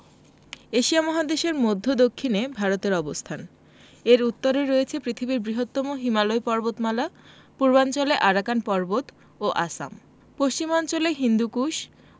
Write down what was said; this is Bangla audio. এশিয়া মহাদেশের মদ্ধ্য দক্ষিনে ভারতের অবস্থানএর উত্তরে রয়েছে পৃথিবীর বৃহত্তম হিমালয় পর্বতমালা পূর্বাঞ্চলে আরাকান পর্বত ও আসাম পশ্চিমাঞ্চলে হিন্দুকুশ